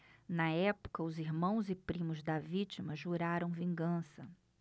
na época os irmãos e primos da vítima juraram vingança